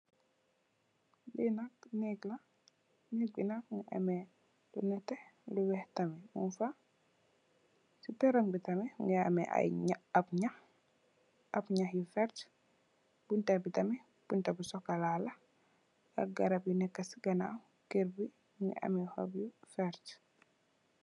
Fii nak neeg la, neek bi nak, mu ngi amee lu nétté ak lu weex tam mung, sai peerong bi, mu ngi am ñax, mu ngi amee, ab ñax, ab ñaxi werta. Bunta bi tam, bunta bi sokolaa la, am ay garab yu neekë si ganaaw kër gi,